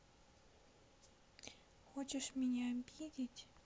хочешь меня обидеть